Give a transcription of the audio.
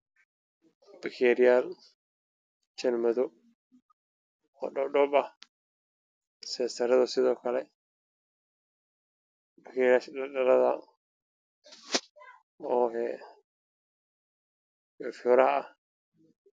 Waa bakeeriyaal jalmado